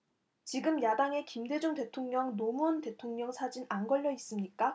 지금 야당에 김대중 대통령 노무현 대통령 사진 안 걸려 있습니까